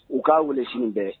U k'a wulifin bɛɛ